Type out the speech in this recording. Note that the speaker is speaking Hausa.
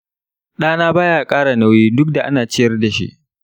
ɗana ba ya ƙara nauyi duk da ana ciyar da shi.